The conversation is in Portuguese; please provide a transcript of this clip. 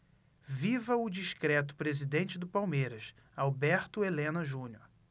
viva o discreto presidente do palmeiras alberto helena junior